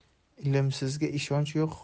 ilmsizga ishonch yo'q